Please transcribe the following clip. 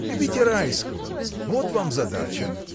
Любите Райского: вот вам задача!